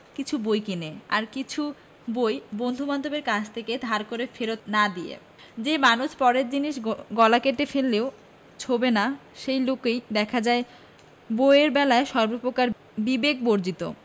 কিছু বই কিনে আর কিছু বই বন্ধুবান্ধবের কাছ থেকে ধার করে ফেরত্ না দিয়ে যে মানুষ পরের জিনিস গলা কেটে ফেললেও ছোঁবে না সেই লোকই দেখা যায় বইয়ের বেলায় সর্বপ্রকার বিবেক বিবর্জিত